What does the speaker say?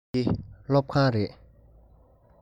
འདི སློབ ཁང རེད